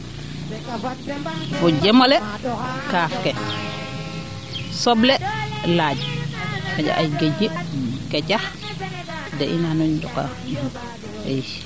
fo jemole kaaf ke soble laaj xaja ay geej kecax ge iim kaa i ndukaa i